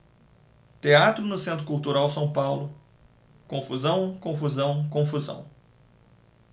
teatro no centro cultural são paulo confusão confusão confusão